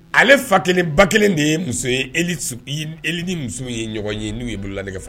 Ale fa kelen ba kelen de ye muso ni muso ye ɲɔgɔn ye nu ye bolola nɛgɛ fa